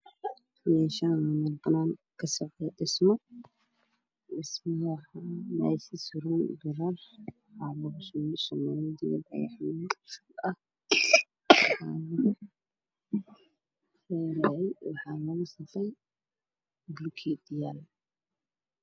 Meeshaan waa meel banaan ka socdo dhismo. Waxaa meesha suran birar waxaa lugu shuban shamiito iyo dhagax shub ah waxaana lugu safay bulukeetiyo.